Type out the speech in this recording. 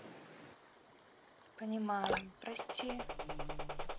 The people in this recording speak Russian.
понимаем прости